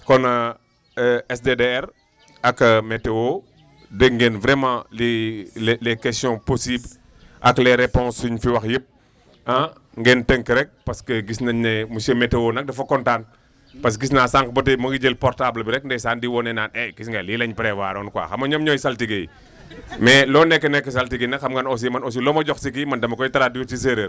kon SDDR ak météo dégg ngeen vraiment li les les questions possibles ak les réponses yu ñu fi wax yëpp ah ngeen tënk rek parce que gis nañ ne monsieur météo nag dafa kontaan parce que gis naa sànq ba tey moo ngi jël portable bi rek ndeysaan di wane naan he gis nga lii la ñu prévoir quoi xam nga ñoom ñooy saltige yi mais loo nekk nekk saltige nag xam nga ne aussi man aussi loo ma jox si kii man da ma koy traduire ci séeréer